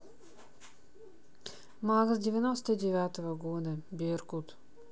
макс девяносто девятого года беркут